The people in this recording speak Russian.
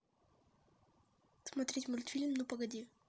смотреть мультфильм ну погоди